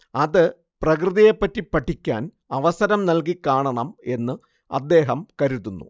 അത് പ്രകൃതിയെപറ്റി പടിക്കാൻ അവസരം നൽകിക്കാണണം എന്ന് അദ്ദേഹം കരുതുന്നു